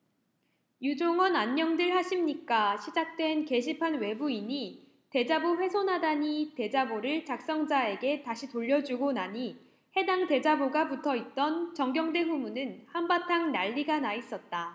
유종헌안녕들 하십니까 시작된 게시판 외부인이 대자보 훼손하다니대자보를 작성자에게 다시 돌려주고 나니 해당 대자보가 붙어있던 정경대 후문은 한바탕 난리가 나 있었다